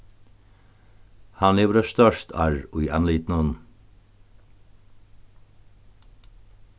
hann hevur eitt stórt arr í andlitinum